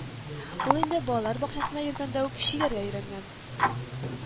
Ул инде балалар бакчасына йөргәндә үк чигәргә өйрәнгән